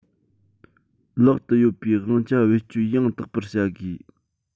ལག ཏུ ཡོད པའི དབང ཆ བེད སྤྱོད ཡང དག པར བྱ དགོས